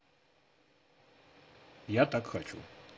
я так хочу